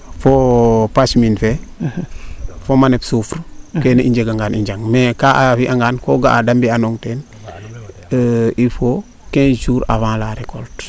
fo parmine fee fo manisouffre keene i njega ngaan i njang mais kaa o fiya ngaan ko ga'a de mbi'a nong teen il faut quinze :frz jours avant la recolte